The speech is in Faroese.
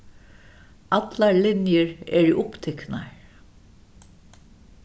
allar linjur eru upptiknar